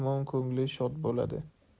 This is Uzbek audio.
mehmon ko'ngli shod bo'ladi